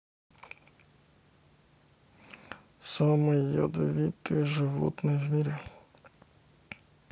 самые ядовитые животные в мире